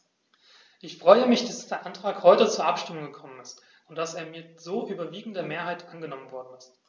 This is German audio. Ich freue mich, dass der Antrag heute zur Abstimmung gekommen ist und dass er mit so überwiegender Mehrheit angenommen worden ist.